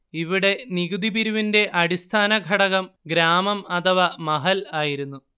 ഇവിടെ നികുതിപിരിവിന്റെ അടിസ്ഥാനഘടകം ഗ്രാമം അഥവാ മഹൽ ആയിരുന്നു